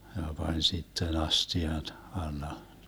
ja pani sitten astian alla